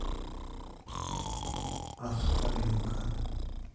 а тополинка